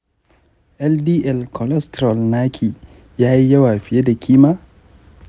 ldl cholesterol naki ya yi yawa fiye da kima.